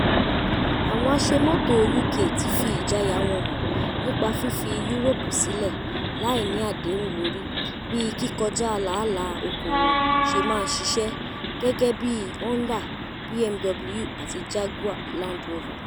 Àwọn aṣemọ́tò UK tí fi ìjayà wọn hàn nípa fífi EU sílẹ̀ láìní àdéhùn lórí bí kíkọjá láàlà òkòwò ṣe máa ṣiṣẹ́, gẹ́gẹ́bí i Honda, BMW àti Jaguar Land Rover.